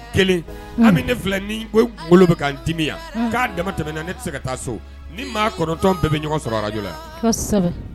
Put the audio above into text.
Kelen ne fila ni ko bɛ k' dimi k'a dama tɛmɛna ne tɛ se ka taa so ni maa kɔnɔntɔn bɛɛ bɛ ɲɔgɔn sɔrɔ a arajɔ la